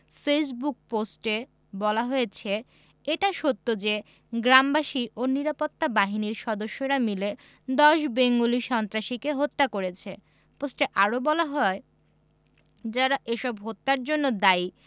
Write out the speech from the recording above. Facebook পোস্টে বলা হয়েছে এটা সত্য যে গ্রামবাসী ও নিরাপত্তা বাহিনীর সদস্যরা মিলে ১০ বেঙ্গলি সন্ত্রাসীকে হত্যা করেছে পোস্টে আরো বলা হয় যারা এসব হত্যার জন্য দায়ী